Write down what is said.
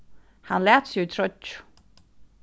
hann læt seg í troyggju